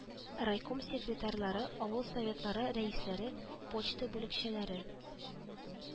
Райком секретарьлары, авыл советлары рәисләре, почта бүлекчәләре